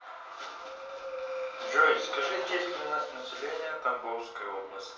джой скажи численность населения тамбовской области